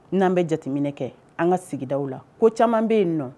N'an bɛ jateminɛ kɛ an ka sigida la ko caman bɛ yen nɔ